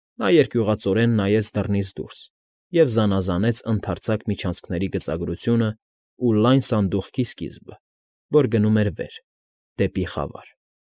Նա երկյուղածորեն նայեց դռնից դուրս և զանազանեց ընդարձակ միջանցքերի գծագրությունն ու լայն սանդուղքի սկիզբը, որ գնում էր վեր, դեպի խավար։